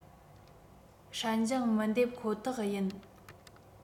སྲན ལྗང མི འདེབ ཁོ ཐག ཡིན